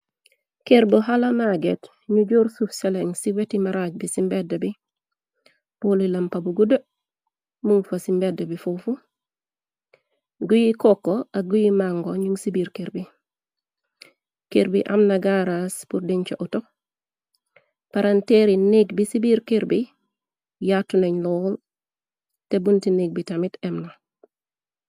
Kër bu hala maaget ñu jóor suuf salen ci weti maraaj bi ci mbedd bi. Polly lampa bu guddu munfa ci mbedda bi foofu. guyi kokko ak guy màngo nung ci biir kër bi. Kër bi amna gaaras pur dincha oto. Paranteeri négg bi ci biir kër bi yattu nañ loo te bunti negg bi tamit emna.